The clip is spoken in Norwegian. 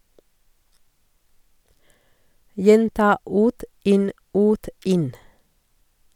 Gjenta ut, inn, ut, inn.